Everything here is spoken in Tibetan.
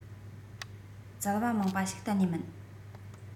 བཙལ བ མང བ ཞིག གཏན ནས མིན